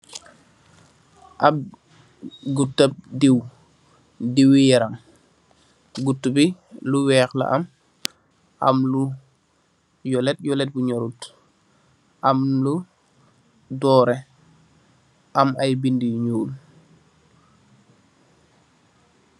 Am gutam deew, deew wi yaram. Got bi lu weex la amm am lu yulet, yulet bu nyurut Am lu dore, am ay binduh yu ñuul.